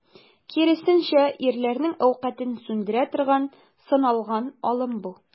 Киресенчә, ирләрнең әүкатен сүндерә торган, сыналган алым бу.